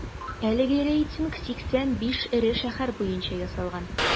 Әлеге рейтинг 85 эре шәһәр буенча ясалган.